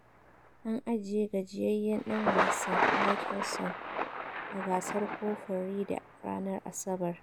An ajiye gajiyayyen dan wasa Mickelson a gasar Kofin Ryder ranar Asabar